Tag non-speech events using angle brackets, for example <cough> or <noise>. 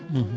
<hesitation> <hesitation>